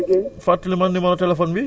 naka waa kër allé